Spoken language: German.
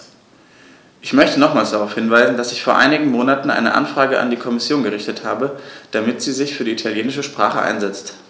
Ich möchte nochmals darauf hinweisen, dass ich vor einigen Monaten eine Anfrage an die Kommission gerichtet habe, damit sie sich für die italienische Sprache einsetzt.